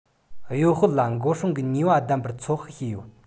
གཡོ སྤུ ལ འགོག སྲུང གི ནུས པ ལྡན པར ཚོད དཔག བྱས ཡོད